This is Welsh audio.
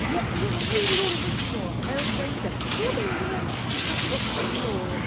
Ie o ie o rhaid i Laura Whitmore ail-ddweud e. Ti'n gwybod be oedd hwnna'n atgoffa fi o?